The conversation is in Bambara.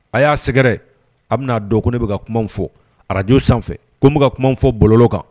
A y'a sɛgɛrɛ a bɛ n'a dɔn ko ne bɛ ka kuma fɔ arajo sanfɛ ko n bɛ ka kuma fɔ bolo kan